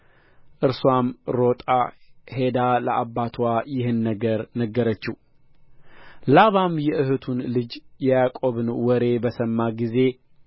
እርስዋም ሮጣ ሄዳ ለአባትዋ ይህን ነገር ነገረችው ላባም የእኅቱን ልጅ የያዕቆብን ወሬ በሰማ ጊዜ